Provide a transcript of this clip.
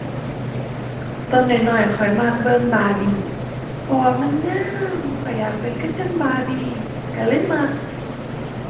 ตอนน้อยน้อยข้อยมักเบิ่ง Barbie เพราะว่ามันงาม ข้อยอยากเป็นคือจั่ง Barbie ก็เลยมัก